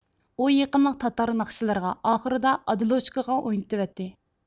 ئۇ يېقىملىق تاتار ناخشىلىرىغا ئاخىرىدا ئادىلوچكىغا ئوينىتىۋەتتى